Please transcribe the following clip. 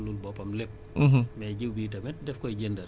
boo gisee Etat bi di joxe jiwu bi